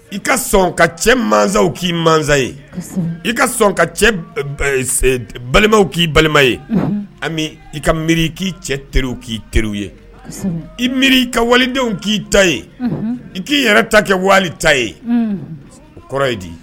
I ka sɔn ka cɛ masaw k'i masa ye i ka sɔn ka balimaw k'i balima ye ami i ka mi k'i cɛ teriw k'i teri ye i mi ka walidenw k'i ta ye i k'i yɛrɛ ta kɛ wali ta ye o kɔrɔ ye di